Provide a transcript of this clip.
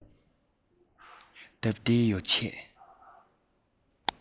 སྟབས བདེའི ཡོ བྱད